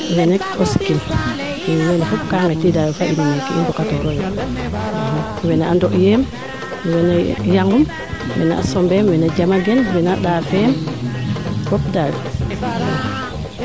wene o Sikim weene fop gaa ngetiida yo fo in meeke i mboka tooroyo wene a NDoyeem wene Yangoum wene a Sombeme wene Diamagene wena a Ndafeeme